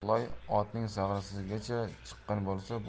loy otning sag'risigacha chiqqan bo'lsa